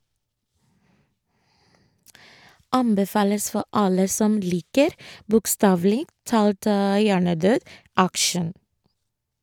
Anbefales for alle som liker bokstavelig talt hjernedød action.